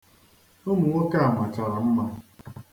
Ụmụ nwoke a machara mma.